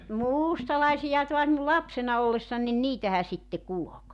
no mustalaisia taas minun lapsena ollessani niin niitähän sitten kulki